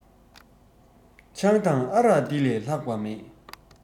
ཆང དང ཨ རག འདི ལས ལྷག པ མེད